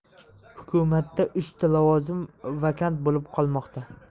hukumatda uchta lavozim vakant bo'lib qolmoqda